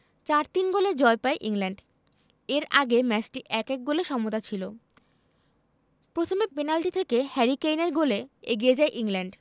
৪ ৩ গোলে জয় পায় ইংল্যান্ড এর আগে ম্যাচটি ১ ১ গোলে সমতা ছিল প্রথমে পেনাল্টি থেকে হ্যারি কেইনের গোলে এগিয়ে যায় ইংল্যান্ড